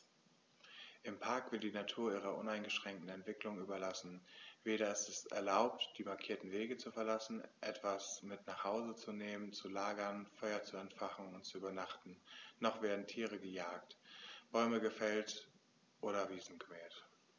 Im Park wird die Natur ihrer uneingeschränkten Entwicklung überlassen; weder ist es erlaubt, die markierten Wege zu verlassen, etwas mit nach Hause zu nehmen, zu lagern, Feuer zu entfachen und zu übernachten, noch werden Tiere gejagt, Bäume gefällt oder Wiesen gemäht.